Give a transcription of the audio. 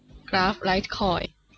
กราฟไลท์คอยน์